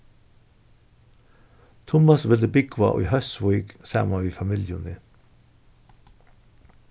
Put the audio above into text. tummas vildi búgva í hósvík saman við familjuni